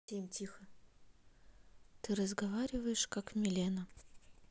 ты разговариваешь как милена